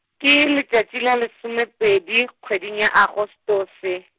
ke letšatši la lesomepedi, kgweding ya Agostose.